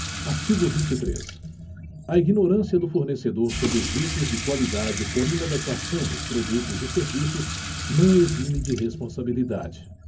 artigo vinte e três a ignorância do fornecedor sobre os vícios de qualidade por inadequação dos produtos e serviços não o exime de responsabilidade